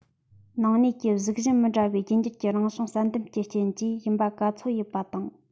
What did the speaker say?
ནང གནས ཀྱི གཟུགས གཞི མི འདྲ བའི རྒྱུད འགྱུར གྱི རང བྱུང བསལ འདེམས རྐྱེན གྱིས ཡིན པ ག ཚོད ཡོད པ དང